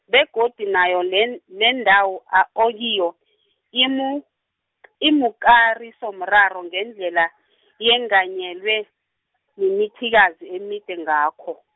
begodu nayo len- lendawo a- okiyo imuk- imikarisomraro ngendlela yenganyelwe, mimithikazi emide ngakho.